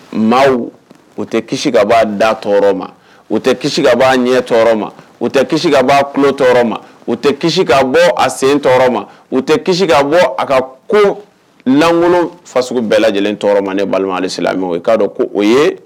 Maa u tɛ kisi ka bɔa da tɔɔrɔ ma u tɛ ka'a ɲɛ tɔɔrɔ ma u tɛ ka bɔ kulo tɔɔrɔ ma u tɛ ka bɔ a sen tɔɔrɔ ma u tɛ kaa bɔ a ka kolan kɔnɔ faso bɛɛ lajɛlen tɔɔrɔ ma ne balimaale'a dɔn ko o ye